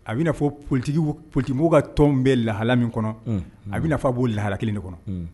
A bɛ fɔ ptigi ptigibo ka tɔnon bɛ lahala min kɔnɔ a bɛ fɔ a b'o lahara kelen de kɔnɔ